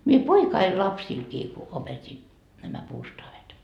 minä poikani lapsillekin kun opetin nämä puustaavit